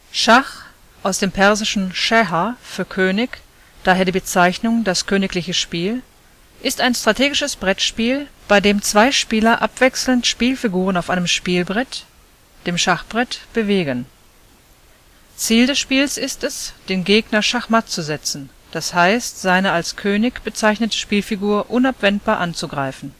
Schach (von persisch Schah / شاه /‚ König ‘– daher die Bezeichnung „ das königliche Spiel “) ist ein strategisches Brettspiel, bei dem zwei Spieler abwechselnd Spielfiguren auf einem Spielbrett – dem Schachbrett – bewegen. Ziel des Spiels ist, den Gegner schachmatt zu setzen, das heißt seine als König bezeichnete Spielfigur unabwendbar anzugreifen